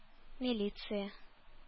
Милиция